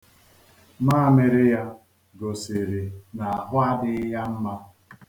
Maamịrị ya gosiri na ahụ adịghị ya mma.